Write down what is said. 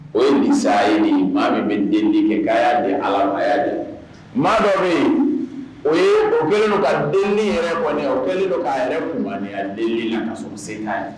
O ye nin sa ye nin maa min bɛ den kɛ kayaa di ala a' de maa dɔ min o ye o kɛlen don ka dennin yɛrɛ o kɛlen don ka yɛrɛ kunya den la ka sɔrɔ se' ye